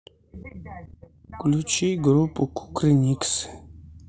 включи группу кукрыниксы